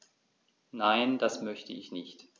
Nein, das möchte ich nicht.